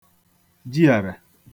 jiàrà